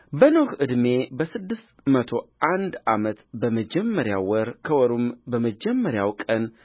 በኖኅ ዕድሜ በስድስት መቶ አንድ ዓመት በመጀመሪያው ወር ከወሩም በመጀመሪያው ቀን